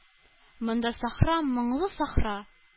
Монда сахра, моңлы сахра..